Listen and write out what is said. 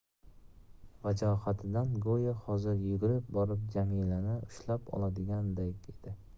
vajohatidan go'yo hozir yugurib borib jamilani ushkab oladigandek edi